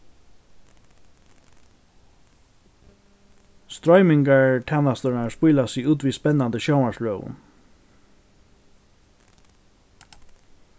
stroymingartænasturnar spíla seg út við spennandi sjónvarpsrøðum